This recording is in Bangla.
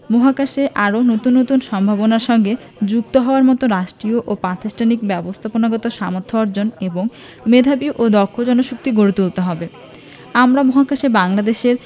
মহাকাশে আরও নতুন নতুন সম্ভাবনার সঙ্গে যুক্ত হওয়ার মতো রাষ্ট্রীয় ও প্রাতিষ্ঠানিক ব্যবস্থাপনাগত সামর্থ্য অর্জন এবং মেধাবী ও দক্ষ জনশক্তি গড়ে তুলতে হবে আমরা মহাকাশে বাংলাদেশের